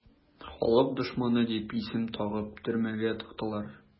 "халык дошманы" дип исем тагып төрмәгә тыктылар.